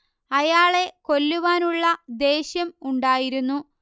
അയാളെ കൊല്ലുവാൻ ഉള്ള ദേഷ്യം ഉണ്ടായിരുന്നു